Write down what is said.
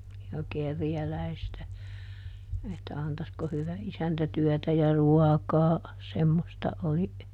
ja kerjäläistä että antaisiko hyvä isäntä työtä ja ruokaa semmoista oli